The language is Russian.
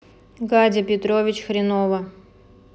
гадя петрович хренова